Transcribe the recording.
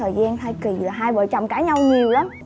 thời gian thai kỳ giữa hai vợ chồng cãi nhau nhiều lắm